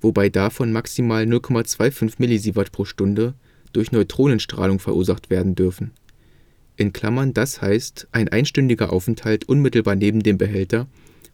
wobei davon maximal 0,25 mSv/h durch Neutronenstrahlung verursacht werden dürfen (d. h. ein einstündiger Aufenthalt unmittelbar neben dem Behälter